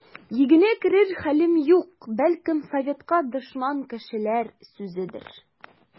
Йөгенә керер хәлем юк, бәлкем, советка дошман кешеләр сүзедер.